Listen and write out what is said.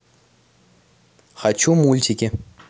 хочу мультики